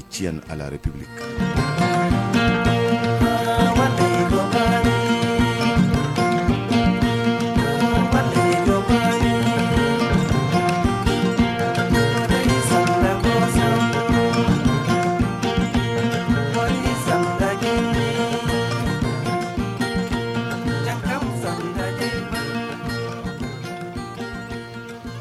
Tiɲɛ ni lariba tile kɛ wa wa wa